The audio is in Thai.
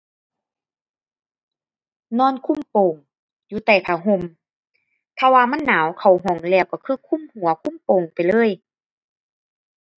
นอนคลุมโปงอยู่ใต้ผ้าห่ม ถ้าว่ามันหนาวเข้าห้องแรกก็คือคลุมหัวคลุมโปงไปเลย